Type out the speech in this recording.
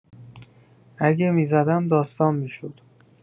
اگه می‌زدم داستان می‌شد